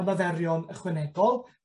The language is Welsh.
ymaferion ychwanegol,